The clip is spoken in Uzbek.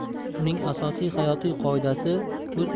uning asosiy hayotiy qoidasi o'z